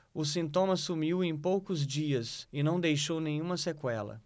o sintoma sumiu em poucos dias e não deixou nenhuma sequela